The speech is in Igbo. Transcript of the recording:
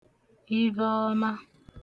ivheọma